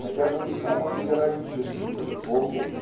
хотя бы и самую героическую эпоху.